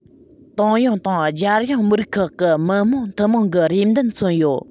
ཏང ཡོངས དང རྒྱལ ཡོངས མི རིགས ཁག གི མི དམངས ཐུན མོང གི རེ འདུན མཚོན ཡོད